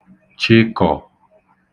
chị̄kọ̀